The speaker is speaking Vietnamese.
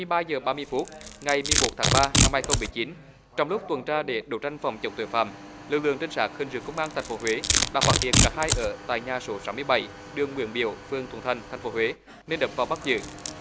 ba giờ ba mươi phút ngày mười bốn tháng ba năm hai không mười chín trong lúc tuần tra để đấu tranh phòng chống tội phạm lực lượng trinh sát hình sự công an thành phố huế đã phát hiện cả hai ở tại nhà số sáu mươi bảy đường nguyễn biểu phường thuận thành thành phố huế nên ập vào bắt giữ